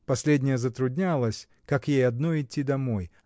Последняя затруднялась, как ей одной идти домой.